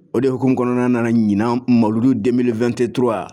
O deh hk kɔnɔna nana ɲinan malo deele2tetur wa